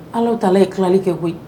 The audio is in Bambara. Ala tila ye tilali kɛ koyi